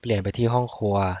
เปลี่ยนไปที่ห้องครัว